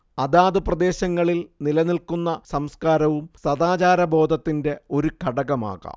അതത് പ്രദേശങ്ങളിൽ നിലനിൽക്കുന്ന സംസ്കാരവും സദാചാരബോധത്തിന്റെ ഒരു ഘടകമാകാം